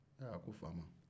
ɛ a ko faama